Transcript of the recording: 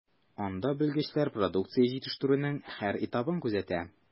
Анда белгечләр продукция җитештерүнең һәр этабын күзәтә.